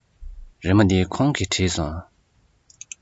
རི མོ འདི ཁོང གིས བྲིས སོང